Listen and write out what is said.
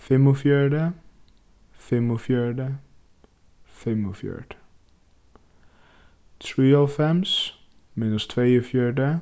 fimmogfjøruti fimmogfjøruti fimmogfjøruti trýoghálvfems minus tveyogfjøruti